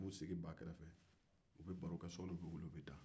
u b'u sigi baa kɛrɛfɛ u bɛ baro ke sɔɔni u bɛ taa